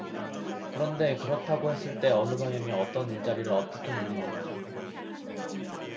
그런데 그렇다고 했을 때 어느 방향의 어떤 일자리를 어떻게 늘리느냐